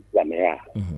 Silamɛ